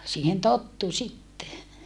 siihen tottui sitten